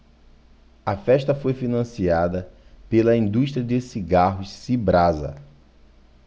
a festa foi financiada pela indústria de cigarros cibrasa